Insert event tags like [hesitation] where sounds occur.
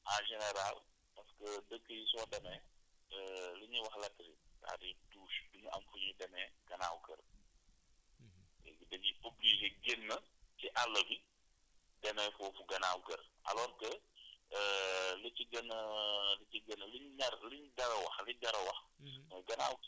assainissemet en général parce que dëkk yi soo demee [hesitation] lu ñuy wax latrine c' est à dire douche du ñu am fu ñuy demee gànnaaw kër léegi dañuy obligé génn ci àll bi demee foofu gànnaaw kër alors que [hesitation] li ci gën a [hesitation] li ci gën a liñ nar liñ jar a wax li jar a wax